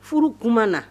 Furuk na